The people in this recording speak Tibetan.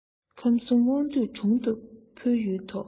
ཁམས གསུམ དབང འདུས དྲུང དུ ཕུལ ཡོད དོ